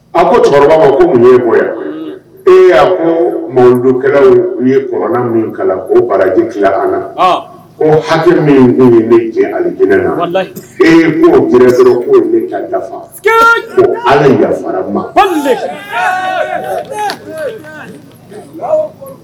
A ko cɛkɔrɔba ko ye bonya e ko mɔdokɛlaw u ye k min kalan ko baraji tila a la ko hakɛ min jɛ na e k'fafa ma